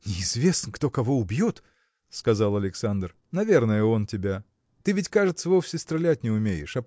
– Неизвестно, кто кого убьет, – сказал Александр. – Наверное он тебя. Ты ведь кажется вовсе стрелять не умеешь